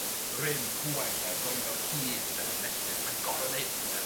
rym pŵer de bron fel hyd de, melltith, mae'n gor'o' neud hyn de.